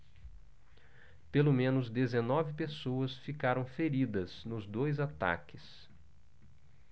pelo menos dezenove pessoas ficaram feridas nos dois ataques